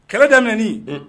Kɛlɛ daminɛnen, unh!